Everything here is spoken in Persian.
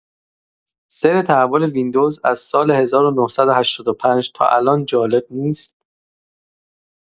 سیر تحول ویندوز از سال ۱۹۸۵ تا الان جالب نیست؟